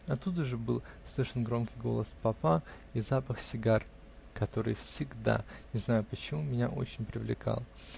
оттуда же был слышен громкий голос папа и запах сигары, который всегда, не знаю почему, меня очень привлекал.